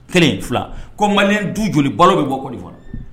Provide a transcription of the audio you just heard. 1,2 ko maliyɛn du joli balo bɛ bɔ Côte d'ivoire